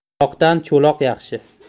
qoloqdan cho'loq yaxshi